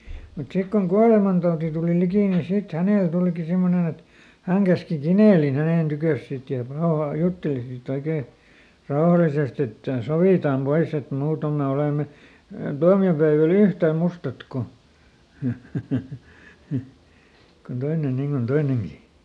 mutta sitten kun kuolemantauti tuli liki niin sitten hänelle tulikin semmoinen että hän käski Kinelin hänen tykönsä sitten ja - jutteli sitten oikein rauhallisesti että sovitaan pois että muuten me olemme tuomiopäivällä yhtä mustat kuin kuin toinen niin kuin toinenkin